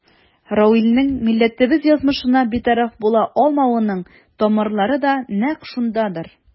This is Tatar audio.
Равилнең милләтебез язмышына битараф була алмавының тамырлары да нәкъ шундадыр.